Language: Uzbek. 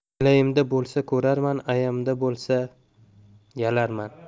manglayimda bo'lsa ko'rarman ayamda bo'lsa yalarman